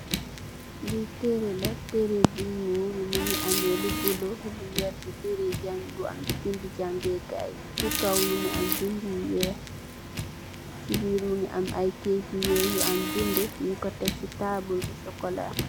Lii terela terebu ñul mungi ameh lu bula lu wertt tereh jangeh kai si kaw mungi am bindi yu wekh si birr mungi ameh ayy kait yu wekh yu am bindi ñunko dek si tabule bu socola.